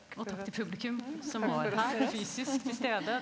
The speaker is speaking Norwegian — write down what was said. og takk til publikum som var her fysisk tilstede.